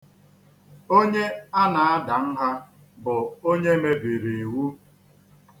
Onye a na-ada nha bụ onye mebiri iwu.